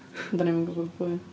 Ond dan ni'm yn gwbod pwy.